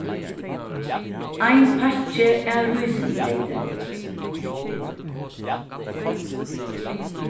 ein pakki av rísingreyti